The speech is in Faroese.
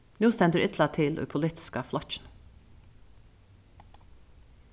nú stendur illa til í politiska flokkinum